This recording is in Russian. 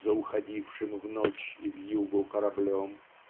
за уходившим в ночь и вьюгу кораблем"?